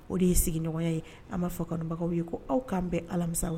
O de ye sigiɲɔgɔn ye an b'a fɔ kabagaw ye ko aw k'an bɛ alamisaw